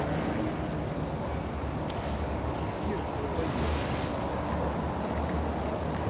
кефир долбоеб